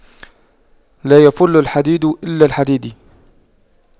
لا يَفُلُّ الحديد إلا الحديد